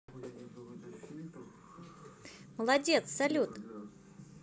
молодец салют